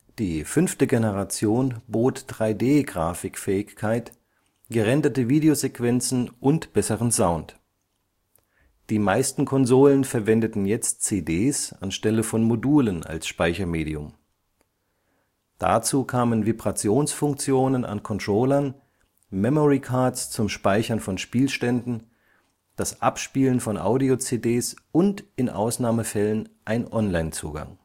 Die fünfte Generation bot 3D-Grafikfähigkeit, gerenderte Videosequenzen und besseren Sound. Die meisten Konsolen verwendeten jetzt CDs anstelle von Modulen als Speichermedium. Dazu kamen Vibrationsfunktionen an Controllern, Memory-Cards zum Speichern von Spielständen, das Abspielen von Audio-CDs und in Ausnahmefällen ein Online-Zugang